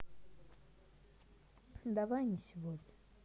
давай не сегодня